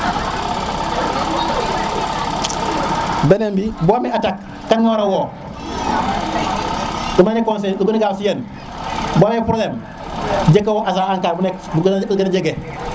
beneen bi bo ame attaque kan nga wara wo li ma lay conseiller mu gëna gax si yeen bo ame probleme njëkala wo agence bu neek Ankar bu neek bu gëna jege